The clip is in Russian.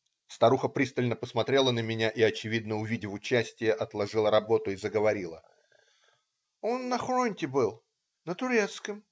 Старуха пристально посмотрела на меня и, очевидно увидев участие, отложила работу и заговорила: "Он на хронте был, на турецким.